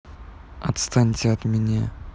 отстаньте от меня